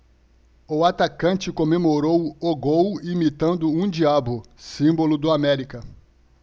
o atacante comemorou o gol imitando um diabo símbolo do américa